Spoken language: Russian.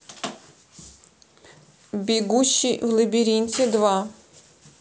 бегущий в лабиринте два